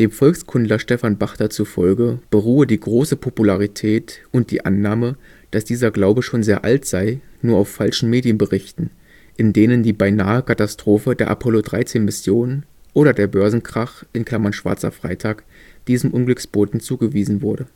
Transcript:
Volkskundler Stephan Bachter zufolge beruhe die große Popularität und die Annahme, dass dieser Glaube schon sehr alt sei, nur auf falschen Medienberichten, in denen die Beinahe-Katastrophe der Apollo-13-Mission oder der Börsenkrach (Schwarzer Freitag) diesem Unglücksboten zugewiesen wurde